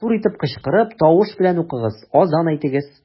Матур итеп кычкырып, тавыш белән укыгыз, азан әйтегез.